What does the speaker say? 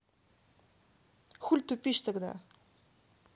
хуль тупишь тогда